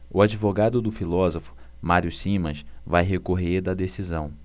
o advogado do filósofo mário simas vai recorrer da decisão